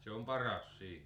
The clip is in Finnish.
se on paras siinä